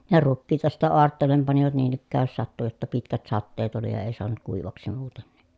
ja rukiita sitten aarteelle panivat niin ikään jos sattui jotta pitkät sateet oli ja ei saanut kuivaksi muuten niin